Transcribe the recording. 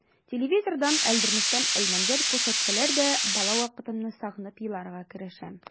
Телевизордан «Әлдермештән Әлмәндәр» күрсәтсәләр дә бала вакытымны сагынып еларга керешәм.